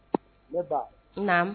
Ne ba naamu